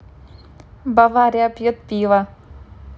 бавария пьет пиво